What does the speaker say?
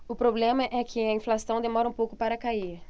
o problema é que a inflação demora um pouco para cair